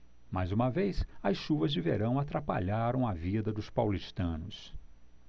mais uma vez as chuvas de verão atrapalharam a vida dos paulistanos